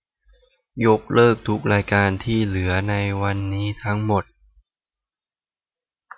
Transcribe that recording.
ยกเลิกทุกรายการที่เหลือในวันนี้ทั้งหมด